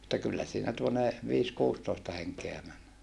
että kyllä siinä tuonne - viisi-kuusitoista henkeä meni